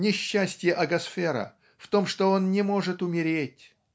Несчастье Агасфера - в том, что он не может умереть